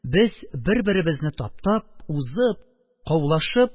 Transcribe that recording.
Без бер-беребезне таптап, узып, каулашып,